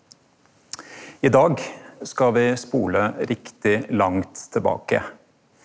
i dag skal vi spole riktig langt tilbake.